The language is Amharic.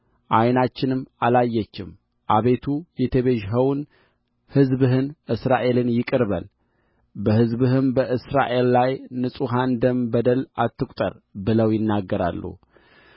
ዓይናችንም አላየችም አቤቱ የተቤዠኸውን ሕዝብህን እስራኤልን ይቅር በል በሕዝብህም በእስራኤል ላይ የንጹሑን ደም በደል አትቍጠር ብለው ይናገራሉ